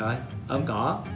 rồi ôm cổ